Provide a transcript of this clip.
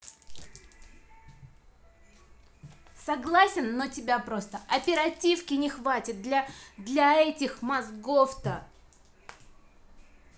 согласен но тебя просто оперативки не хватит для для этих мозгов то